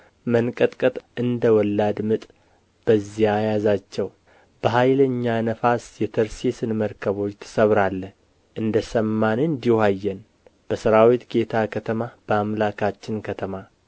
መንቀጥቀጥ እንደ ወላድ ምጥ በዚያ ያዛቸው በኃይለኛ ነፋስ የተርሴስን መርከቦች ትሰብራለህ እንደ ሰማን እንዲሁ አየን በሠራዊት ጌታ ከተማ በአምላካችን ከተማ